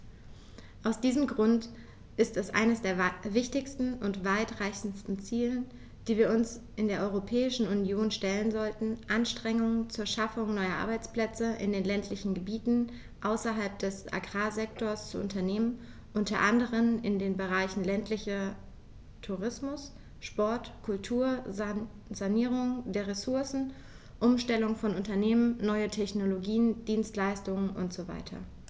Aus diesem Grund ist es eines der wichtigsten und weitreichendsten Ziele, die wir uns in der Europäischen Union stellen sollten, Anstrengungen zur Schaffung neuer Arbeitsplätze in den ländlichen Gebieten außerhalb des Agrarsektors zu unternehmen, unter anderem in den Bereichen ländlicher Tourismus, Sport, Kultur, Sanierung der Ressourcen, Umstellung von Unternehmen, neue Technologien, Dienstleistungen usw.